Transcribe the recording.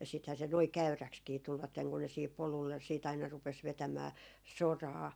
ja sittenhän se noin käyräksikin tulivat kun ne siihen polulle sitten aina rupesi vetämään soraa